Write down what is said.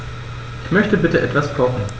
Ich möchte bitte etwas kochen.